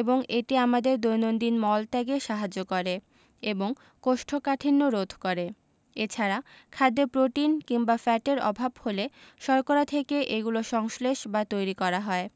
এবং এটি আমাদের দৈনন্দিন মল ত্যাগে সাহায্য করে এবং কোষ্ঠকাঠিন্য রোধ করে এছাড়া খাদ্যে প্রোটিন কিংবা ফ্যাটের অভাব হলে শর্করা থেকে এগুলো সংশ্লেষ বা তৈরী করা হয়